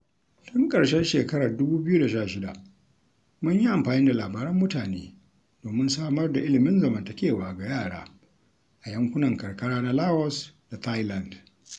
Tun ƙarshen shekarar 2016, mun yi amfani da labaran mutane domin samar da ilimin zamantakewa ga yara a yankunan karkara na Laos da Thailand.